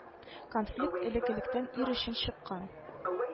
Конфликт элек-электән ир өчен чыккан